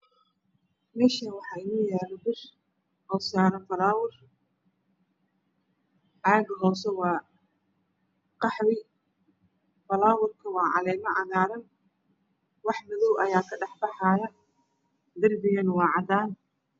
Meshan waxa iiyalo bir osaran falawur cagahose waa qaxwi falawurka waa caleman cagaran waxa madow ayakadhaxbaxayo derbiganawacadan